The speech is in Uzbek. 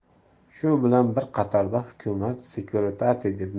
shu bilan bir qatorda hukumat sekuritate deb